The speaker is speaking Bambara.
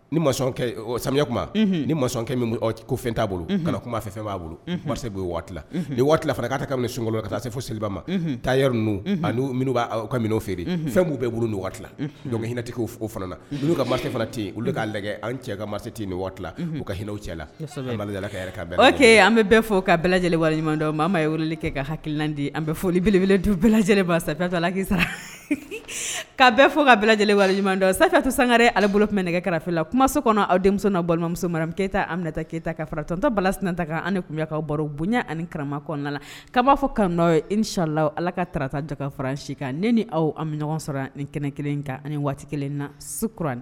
Ni ma sami ni makɛ ko fɛn t'a bolo kuma fɛ b'a bolo sun ka taa fo seli ma taari n minnu' ka feere fɛn b'u bɛ ni waati don hinɛtigi fana ka mansa ten olu' cɛ ka ni u ka hinɛ cɛla lake an bɛ fɔ ka lajɛlen ɲuman ma weleli kɛ ka hakilildi an bɛ folibelebele du bɛɛ lajɛlen salaki sara ka bɛɛ fɔ ka lajɛlen ɲuman sa to sanga ale bolo kɛmɛ nɛgɛ karife la kumaso kɔnɔ aw denmuso' balimamuso maramɛ bɛ keyita an keyita ka faratɔ anta bala sinta kan an kunyakaw baro bonya ani karama kɔnɔna na'a b'a fɔ ka n i ni sala ala ka tata dagaka fararan si kan ni ni' an bɛ ɲɔgɔn sɔrɔ ni kɛnɛ kelen ta ani waati kelen na su kuran